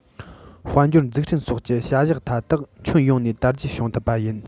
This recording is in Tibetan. དཔལ འབྱོར འཛུགས སྐྲུན སོགས ཀྱི བྱ གཞག ཐ དག ཁྱོན ཡོངས ནས དར རྒྱས བྱུང ཐུབ པ ཡིན